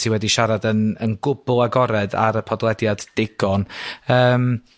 Ti wedi siarad yn yn gwbwl agored ar y podlediad digon yym